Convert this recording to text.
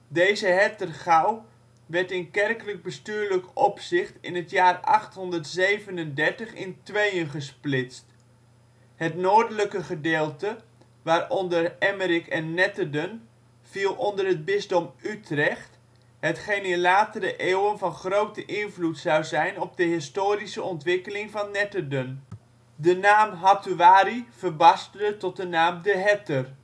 Deze Hettergouw werd in kerkelijk-bestuurlijk opzicht in het jaar 837 in tweeën gesplitst. Het noordelijke gedeelte, waaronder Emmerik en Netterden, viel onder het bisdom Utrecht, hetgeen in latere eeuwen van grote invloed zou zijn op de historische ontwikkeling van Netterden. De naam Hattuari verbasterde tot de naam De Hetter